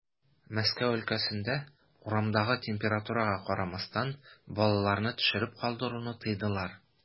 Мәскәү өлкәсендә, урамдагы температурага карамастан, балаларны төшереп калдыруны тыйдылар.